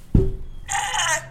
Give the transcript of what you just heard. Ɛɛ